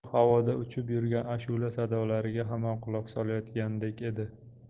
u havoda uchib yurgan ashula sadolariga hamon quloq solayotgandek edi